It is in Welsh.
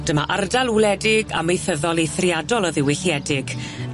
Dyma ardal wledig amaethyddol eithriadol o ddiwylliedig.